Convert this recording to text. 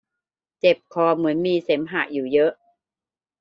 เจ็บคอเหมือนมีเสมหะอยู่เยอะ